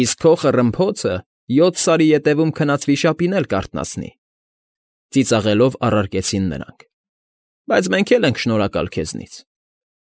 Իսկ քո խռմփոցը յոթ սարի ետևում քնած վիշապին էլ կարթնացնի,֊ ծիծաղելով առարկեցին նրանք։֊ Բայց մենք էլ ենք շնորհակալ քեզնից։